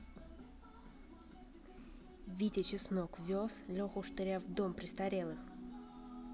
витя чеснок вез леху штыря в дом престарелых